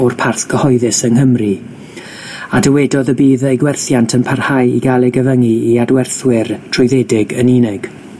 o'r parth cyhoeddus yng Nghymru, a dywedodd y bydd eu gwerthiant yn parhau i ga'l ei gyfyngu i adwerthwyr trwyddedig yn unig.